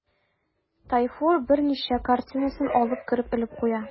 Тайфур берничә картинасын алып кереп элеп куя.